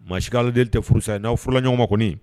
Maa sikaaleden tɛ furusa ye n'aw fɔra ɲɔgɔn ma kɔni